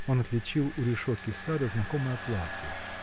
Он отличил у решетки сада знакомое платье